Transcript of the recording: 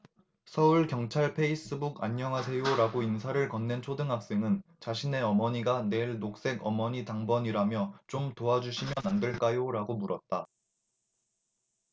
서울 경찰 페이스북안녕하세요라고 인사를 건넨 초등학생은 자신의 어머니가 내일 녹색 어머니 당번이라며 좀 도와주시면 안될까요라고 물었다